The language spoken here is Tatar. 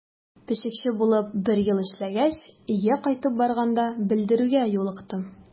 Пешекче булып бер ел эшләгәч, өйгә кайтып барганда белдерүгә юлыктым.